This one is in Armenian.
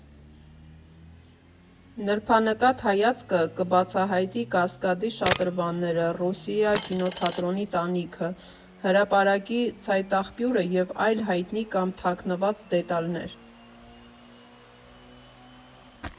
Նրբանկատ հայացքը կբացահայտի Կասկադի շատրվանները, «Ռոսիա» կինոթատրոնի տանիքը, հրապարակի ցայտաղբյուրը և այլ հայտնի կամ թաքնված դետալներ։